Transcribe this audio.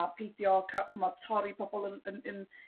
a peidio ca'l ch'mbo torri pobl yn yn yn